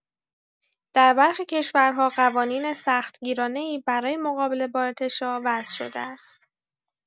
در برخی کشورها، قوانین سخت‌گیرانه‌ای برای مقابله با ارتشاء وضع شده است.